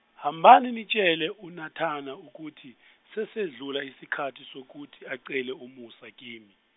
hambani nitshele uNatana ukuthi sesadlula isikhathi sokuthi acele umusa kimi.